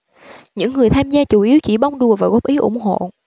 những người tham gia chủ yếu chỉ bông đùa và góp ý ủng hộ